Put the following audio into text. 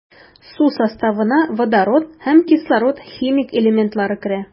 Су составына водород һәм кислород химик элементлары керә.